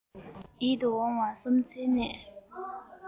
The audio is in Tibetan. ཡིད དུ འོང བ སུམ རྩེན གནས